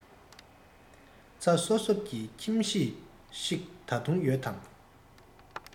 ཚ སོབ སོབ ཀྱི ཁྱིམ གཞིས ཤིག ད དུང ཡོད དམ